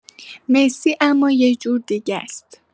مسی اما یه جور دیگه‌ست.